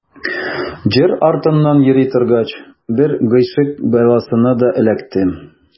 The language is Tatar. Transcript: Җыр артыннан йөри торгач, бер гыйшык бәласенә дә эләктем.